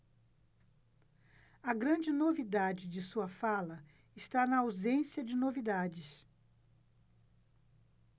a grande novidade de sua fala está na ausência de novidades